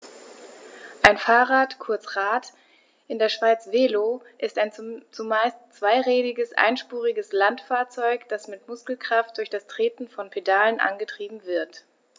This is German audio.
Ein Fahrrad, kurz Rad, in der Schweiz Velo, ist ein zumeist zweirädriges einspuriges Landfahrzeug, das mit Muskelkraft durch das Treten von Pedalen angetrieben wird.